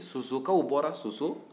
sosokaw bɔra soso